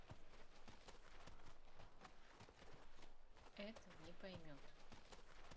это не поймет